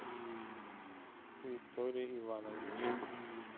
виктория ивановна